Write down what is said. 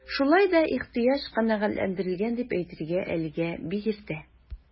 Шулай да ихтыяҗ канәгатьләндерелгән дип әйтергә әлегә бик иртә.